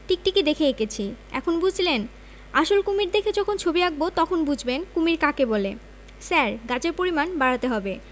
টিকটিকি দেখে এঁকেছি এখন বুঝলেন আসল কমীর দেখে যখন ছবি আঁকব তখন বুঝবেন কুমীর কাকে বলে স্যার গাঁজার পরিমাণ বাড়াতে হবে